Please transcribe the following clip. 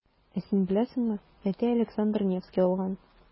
Ә син беләсеңме, әти Александр Невский алган.